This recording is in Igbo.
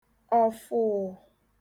ọfụū